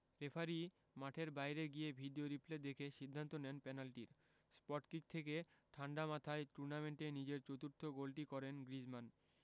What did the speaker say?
referee মাঠের বাইরে গিয়ে ভিডিও রিপ্লে দেখে সিদ্ধান্ত দেন পেনাল্টির স্পটকিক থেকে ঠাণ্ডা মাথায় টুর্নামেন্টে নিজের চতুর্থ গোলটি করেন গ্রিজমান